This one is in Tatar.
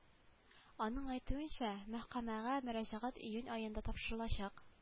Аның әйтүенчә мәхкамәгә мөрәҗәгать июнь аенда тапшырылачак